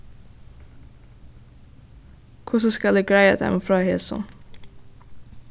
hvussu skal eg greiða teimum frá hesum